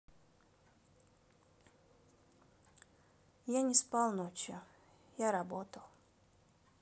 я не спал ночью я работал